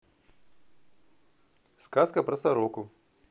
сказка про сороку